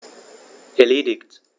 Erledigt.